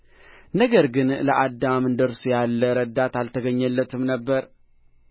ነገር ግን ለአዳም እንደ እርሱ ያለ ረዳት አልተገኘለትም ነበር